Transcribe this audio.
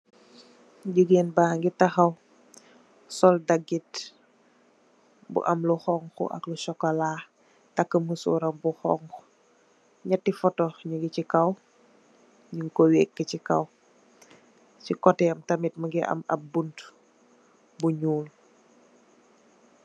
Gigeen ba ngi taxaw sol dagit bu am lu xonxu ak lu sokola , taka musór ram bu xonxu . Ñetti foto ñing ci kaw ñing ko weka ci kaw, ci koteh am tam mugii am ap buntu bu ñuul.